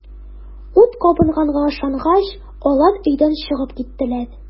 Ут кабынганга ышангач, алар өйдән чыгып киттеләр.